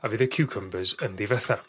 a fydd y ciwcymbyrs yn difetha.